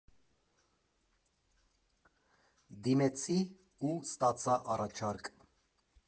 Դիմեցի, ու ստացա առաջարկ։